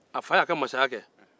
a fa y'a ka mansaya kɛ